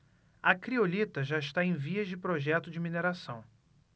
a criolita já está em vias de projeto de mineração